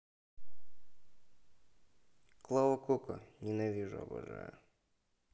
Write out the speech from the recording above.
клава кока ненавижу обожаю